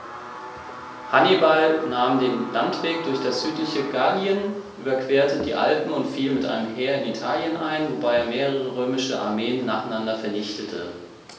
Hannibal nahm den Landweg durch das südliche Gallien, überquerte die Alpen und fiel mit einem Heer in Italien ein, wobei er mehrere römische Armeen nacheinander vernichtete.